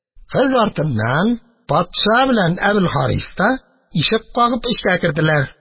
Кыз артыннан патша белән Әбелхарис та, ишек кагып, эчкә керделәр.